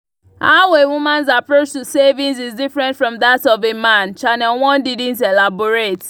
How a woman’s approach to savings is different from that of a man, Channel One didn’t elaborate.